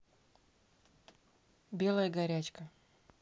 белая горячка